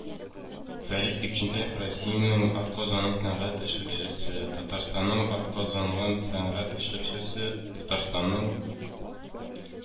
Фәрит Бикчәнтәев - Россиянең атказанган сәнгать эшлеклесе , Татарстанның атказанган сәнгать эшлеклекчесе, Татарстанның